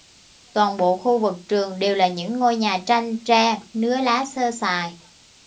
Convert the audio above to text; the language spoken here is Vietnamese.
toàn bộ khu vực trường đều là những ngôi nhà tranh tre nứa lá sơ sài